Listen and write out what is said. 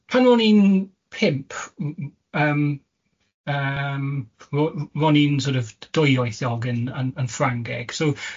Pan o'n i'n pump m- m- yym, yym, ro- r- ro'n i'n sor' of d- dwyieithog yn yn yn Ffrangeg, so